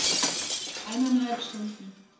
Eineinhalb Stunden